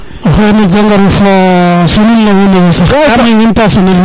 o xene jangaru fa sonil na wiin we yo sax ka fi nen ka sonil wiin we